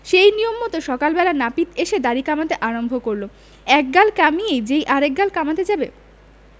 সেই নিয়ম মত সকাল বেলা নাপিত এসে দাড়ি কামাতে আরম্ভ করলে এক গাল কামিয়ে যেই আর এক গাল কামাতে যাবে